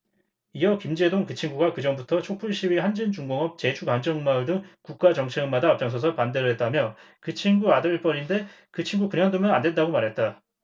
이어 김제동 그 친구가 그 전부터 촛불시위 한진중공업 제주강정마을 등 국가 정책마다 앞장서서 반대를 했다며 그 친구 아들뻘인데 그 친구 그냥 두면 안 된다고 말했다